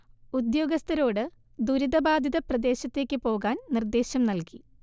ഉദ്യോഗസഥരോട് ദുരിതബാധിത പ്രദേശത്തേക്ക് പോകാൻ നിർദേശം നൽകി